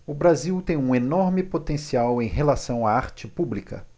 o brasil tem um enorme potencial em relação à arte pública